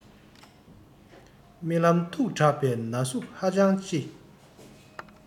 རྨི ལམ མཐུགས དྲགས པས ན ཟུག ཧ ཅང ལྕི